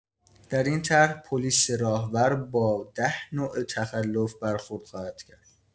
در این طرح، پلیس راهور با ۱۰ نوع تخلف برخورد خواهد کرد.